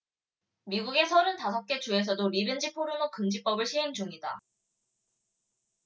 미국의 서른 다섯 개 주에서도 리벤지 포르노 금지법을 시행중이다